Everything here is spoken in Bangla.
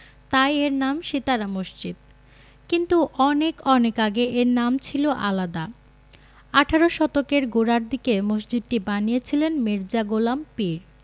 তাই এর নাম সিতারা মসজিদ কিন্তু অনেক অনেক আগে এর নাম ছিল আলাদা আঠারো শতকের গোড়ার দিকে মসজিদটি বানিয়েছিলেন মির্জা গোলাম পীর